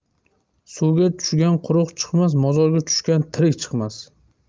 suvga tushgan quruq chiqmas mozorga tushgan tirik chiqmas